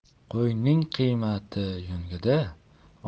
qo'yning qimmati yungida